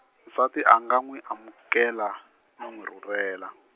nsati a nga n'wi amukela, no n'wi rhurhela.